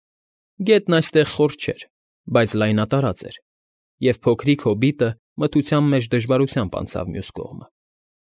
Գետն այստեղ խոր չէր, բայց լայնատարած էր, և փոքրիկ հոբիտը մթության մեջ դժվարությամբ անցավ մյուս կողմը։